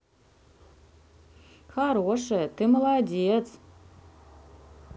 хорошая ты молодец